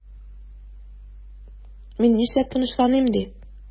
Мин нишләп тынычланыйм ди?